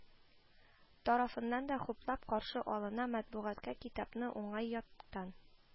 Тарафыннан да хуплап каршы алына, матбугатта китапны уңай яктан